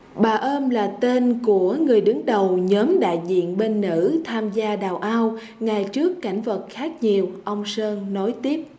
bà om là tên của người đứng đầu nhóm đại diện bên nữ tham gia đào ao ngày trước cảnh vật khác nhiều ông sơn nối tiếp